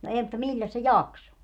no ei mutta milläs se jaksoi